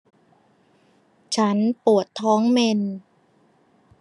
ฉันปวดท้องเมนส์